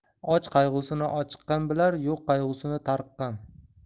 och qayg'usini ochiqqan bilar yo'q qayg'usini tariqqan